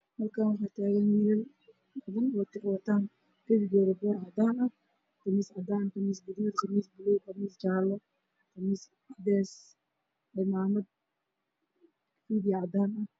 Waa masaajid waxaa taagan niman waxa ay haystaan shahaado waxa ay wataan khamiisyo madow caddaan qaxoo igulu